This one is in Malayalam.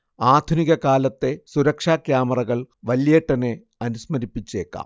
ആധുനികകാലത്തെ സുരക്ഷാ ക്യാമറകൾ വല്യേട്ടനെ അനുസ്മരിപ്പിച്ചേക്കാം